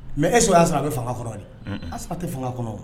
Mɛ e so y'a sɔrɔ a bɛ fanga kɔrɔ ye a sɔrɔ a tɛ fanga kɔnɔ